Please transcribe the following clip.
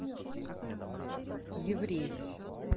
еврей